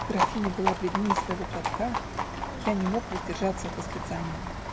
графиня была бледнее своего платка: я не мог воздержаться от восклицания.